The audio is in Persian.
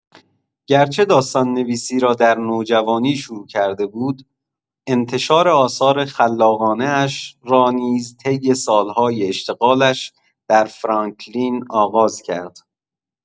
گر چه داستان‌نویسی را در نوجوانی شروع کرده بود، انتشار آثار خلاقانه‌اش را نیز طی سال‌های اشتغالش در فرانکلین آغاز کرد.